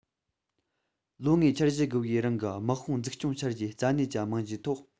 ལོ ལྔའི འཆར གཞི དགུ པའི རིང གི དམག དཔུང འཛུགས སྐྱོང འཆར གཞིའི རྩ གནད ཀྱི རྨང གཞིའི ཐོག